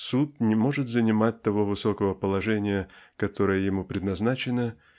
Суд не может занимать того высокого положения которое ему предназначено